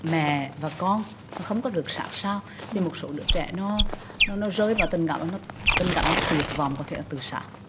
mẹ và con không có được sát sao thì một số đứa trẻ nó nó nó rơi vào tình cảm nó tình cảnh nó tuyệt vọng có thể là tự sát